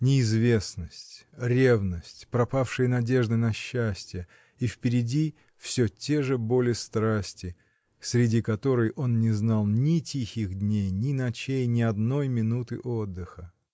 Неизвестность, ревность, пропавшие надежды на счастье и впереди всё те же боли страсти, среди которой он не знал ни тихих дней, ни ночей, ни одной минуты отдыха!